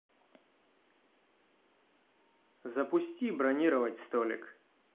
запусти бронировать столик